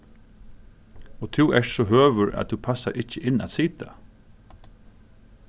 og tú ert so høgur at tú passar ikki inn at sita